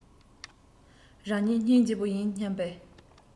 རང ཉིད སྙིང རྗེ བོ ཡིན སྙམ པའི